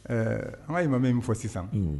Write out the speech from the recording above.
Ɛɛ an ŋa imam ye min fɔ sisan unh